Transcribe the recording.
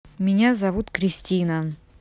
меня зовут кристина